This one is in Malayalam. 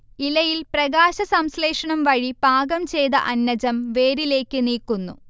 ഇലയിൽ പ്രകാശസംശ്ലേഷണം വഴി പാകം ചെയ്ത അന്നജം വേരിലേക്ക് നീക്കുന്നു